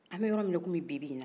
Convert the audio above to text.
an bɛ yɔrɔ min na komi bibina